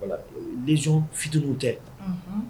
Z fittiriw tɛ